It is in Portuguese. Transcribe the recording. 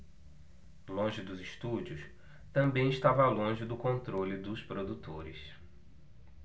longe dos estúdios também estava longe do controle dos produtores